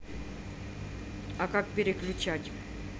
а как переключать